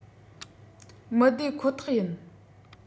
མི བདེ ཁོ ཐག ཡིན